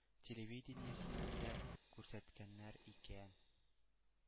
Телевидениесеннән дә күрсәткәннәр икән.